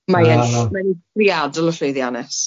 Mae e'n ll- ma'n eithriadol o llwydiannus.